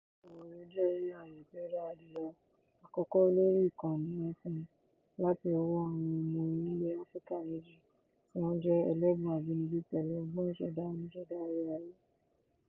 iWarrior jẹ́ eré ayò tí ó dára jùlọ àkọ́kọ́ lórí ìkànnì iPhone láti ọwọ́ àwọn ọmọ ilẹ̀ Áfíríkà méjì tí wọ́n jẹ́ ẹlẹ́bùn abínibí pẹ̀lú ọgbọ́n ìṣẹ̀dá olùṣẹ̀dá eré ayò.